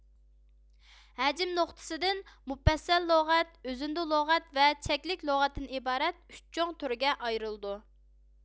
ھەجىم نۇقتىسىدىن مۇپەسسەل لۇغەت ئۈزۈندە لۇغەت ۋە چەكلىك لۇغەتتىن ئىبارەت ئۈچ چوڭ تۈرگە ئايرىلىدۇ